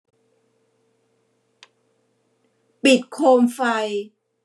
ปิดโคมไฟ